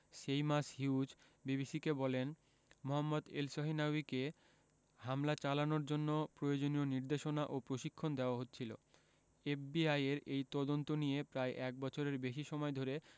Seamus Hughes বিবিসিকে বলেন Mohammad এলসহিনাউয়িকে হামলা চালানোর জন্য প্রয়োজনীয় নির্দেশনা ও প্রশিক্ষণ দেওয়া হচ্ছিল এফবিআইয়ের এই তদন্ত নিয়ে প্রায় এক বছরের বেশি সময় ধরে